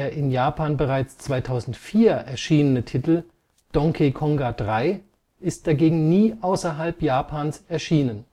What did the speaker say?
in Japan bereits 2004 erschienene Titel Donkey Konga 3 ist dagegen nie außerhalb Japans erschienen